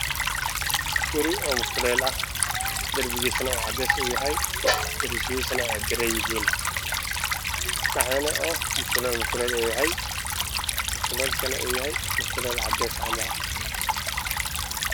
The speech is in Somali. Waa qol afar gees ah leer cadan ayaa ka ifaayo geesaha waa cadaan daaqada ayuu leeyahay dhulka waa qaxwi